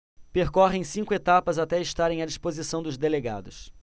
percorrem cinco etapas até estarem à disposição dos delegados